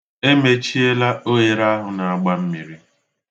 E mechiela oghere ahụ na-agba mmiri.